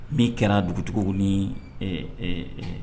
Min kɛra dugu cogo ni